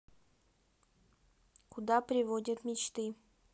куда приводят мечты